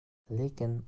lekin orzu istak